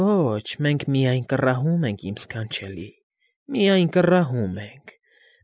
Ոչ, մենք միայն կռ֊ռ֊ռահում ենք, իմ ս֊ս֊սքանչելի, միայն կռ֊ռ֊ռահում ենք։